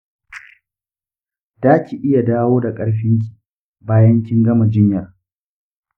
daki iya dawo da karfin ki bayan kin gama jinyar.